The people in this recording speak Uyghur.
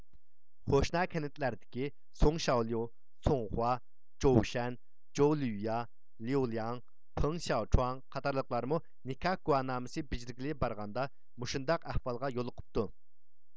قوشنا كەنتلەردىكى سۇڭشياۋليۇ سۇڭخۇا جوۋشەن جوۋلۈييا ليۇلياڭ پېڭ شياۋچۇاڭ قاتارلىقلارمۇ نىكاھ گۇۋاھنامىسى بېجىرگىلى بارغاندا مۇشۇنداق ئەھۋالغا يولۇقۇپتۇ